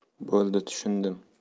bo'ldi tushundim